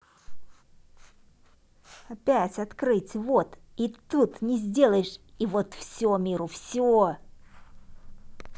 опять открыть вот и тут не сделаешь и вот все миру все